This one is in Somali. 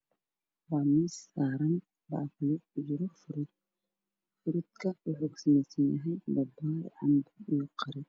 Waa miis saran baaquli kujiro furuut furuutka wuxuu ka sameysanyahay babaay cambo iyo qare